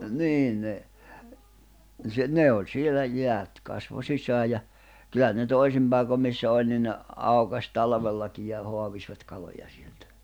niin ne niin se ne oli siellä jäät kasvoi sisään ja kyllä ne toisin paikoin missä oli niin ne aukaisi talvellakin ja ja haavivat kaloja sieltä